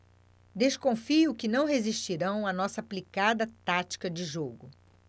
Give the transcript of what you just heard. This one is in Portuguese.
desconfio que não resistirão à nossa aplicada tática de jogo